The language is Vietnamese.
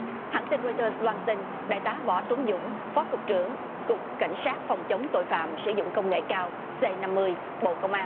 hãng tin rây tơ loan tin đại tá võ tuấn dũng phó cục trưởng cục cảnh sát phòng chống tội phạm sử dụng công nghệ cao xê năm mươi bộ công an